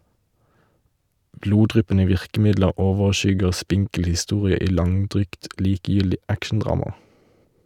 Bloddryppende virkemidler overskygger spinkel historie i langdrygt, likegyldig actiondrama.